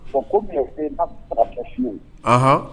Bon ko mɛ su ye